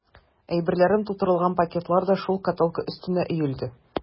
Әйберләрем тутырылган пакетлар да шул каталка өстенә өелде.